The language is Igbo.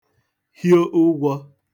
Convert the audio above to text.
hio ụgwọ